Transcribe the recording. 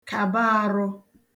kàba ārụ̄